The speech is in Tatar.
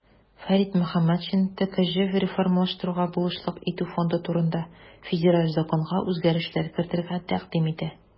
Фәрит Мөхәммәтшин "ТКҖ реформалаштыруга булышлык итү фонды турында" Федераль законга үзгәрешләр кертергә тәкъдим итә.